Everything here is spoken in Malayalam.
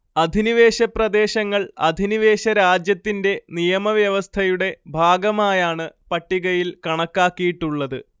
അധിനിവേശപ്രദേശങ്ങൾ അധിനിവേശരാജ്യത്തിന്റെ നിയമവ്യവസ്ഥയുടെ ഭാഗമായാണ് പട്ടികയിൽ കണക്കാക്കിയിട്ടുള്ളത്